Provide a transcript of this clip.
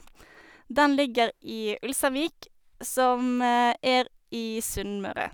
Den ligger i Ulsteinvik, som er i Sunnmøre.